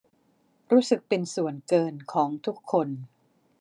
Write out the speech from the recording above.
รู้สึกเป็นส่วนเกินของทุกคน